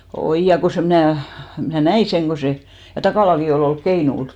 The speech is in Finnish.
oi ja kun se minä minä näin sen kun se ja Takalakin oli ollut keinulla